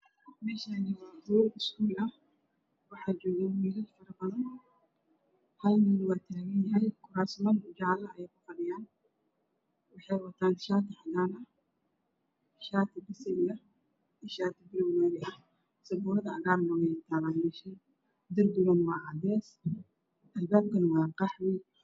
Meeshaani waa hool iskuul ah waxaa joogo wiilal faro badan hal mida waa taagan yahay kuraasman jaalo ah ayay ku fadhiyaan waxay wataan shaati cadaan ah dhaati basali ah iyo shaati buluug maari ah sabuurad cadaan ah na way taala meesha dabiguna waa cadeys albaabkuna waa qaxwi.